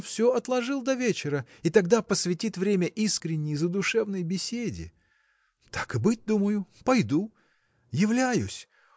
он все отложил до вечера и тогда посвятит время искренней задушевной беседе. Так и быть, думаю, пойду. Являюсь.